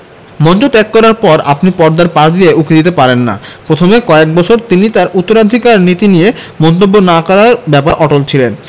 মঞ্চ ত্যাগ করার পর আপনি পর্দার পাশ দিয়ে উঁকি দিতে পারেন না প্রথমে কয়েক বছর তিনি তাঁর উত্তরাধিকারীর নীতি নিয়ে মন্তব্য না করার ব্যাপারে অটল ছিলেন